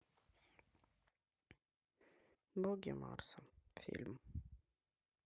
боги марса фильм